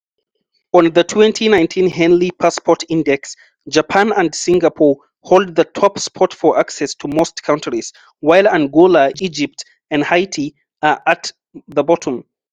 On the 2019 Henley Passport Index, Japan and Singapore hold the top spot for access to most countries, while Angola, Egypt and Haiti are at the bottom.